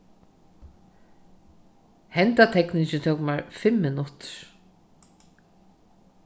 henda tekningin tók mær fimm minuttir